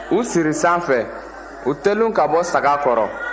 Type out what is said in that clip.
u siri san fɛ u terun ka bɔ saga kɔrɔ